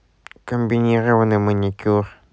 комбинированный маникюр